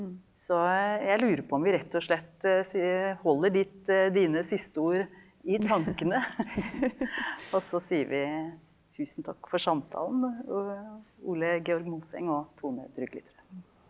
så jeg lurer på om vi rett og slett holder ditt dine siste ord i tankene , også sier vi tusen takk for samtalen Ole Georg Moseng og Tone Druglitrø.